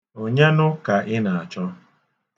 Onyenụ ka ị na-achọ?